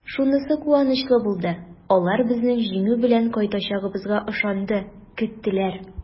Шунысы куанычлы булды: алар безнең җиңү белән кайтачагыбызга ышанды, көттеләр!